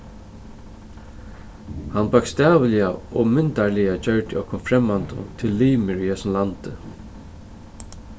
hann bókstaviliga og myndarliga gjørdi okkum fremmandu til limir í hesum landi